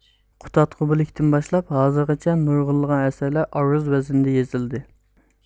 قۇتادغۇبىلىك تىن باشلاپ ھازىرغىچە نۇرغۇنلىغان ئەسەرلەر ئارۇز ۋەزنىدە يېزىلدى